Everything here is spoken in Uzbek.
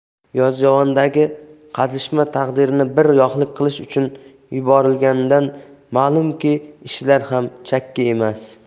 yozyovondagi qazishma taqdirini bir yoqlik qilish uchun yuborilganidan malumki ishlari ham chakki emas